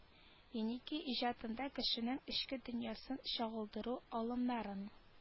Еники иҗатында кешенең эчке дөньясын чагылдыру алымнарын